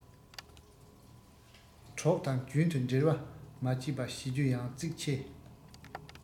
གྲོགས དང རྒྱུན དུ འབྲེལ བ མ ཆད པ བྱེད རྒྱུ ཡང གཙིགས ཆེ